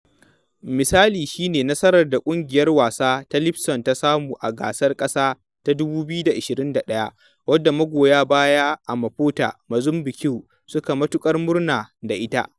Misali shi ne nasarar da ƙungiyar wasa ta Lisbon ta samu a gasar ƙasa ta 2021, wadda magoya baya a Maputo (Mozambique) suka matuƙar murna da ita.